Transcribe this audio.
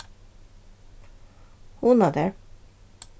hugna tær